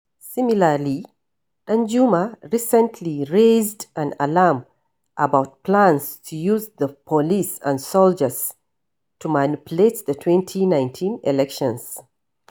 Similarly, Danjuma recently raised an alarm about plans to use “the police and soldiers” to manipulate the 2019 elections.